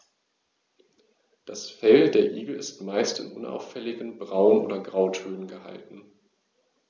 Das Fell der Igel ist meist in unauffälligen Braun- oder Grautönen gehalten.